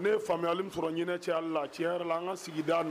Ne faamuyaya min sɔrɔ ɲini caya la cɛ yɛrɛ la an ka sigida